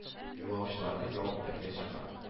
Юлаучыларны ял итәрә чакыра